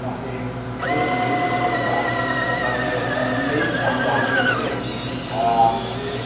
Nath e ddim mynd i'r Tour de France. Ma' fe yn mynd amdani eleni yym